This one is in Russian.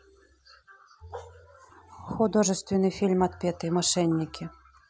художественный фильм отпетые мошенники